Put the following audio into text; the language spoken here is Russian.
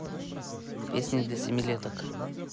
песни для семилеток